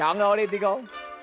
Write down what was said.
chọn ô đi vi gô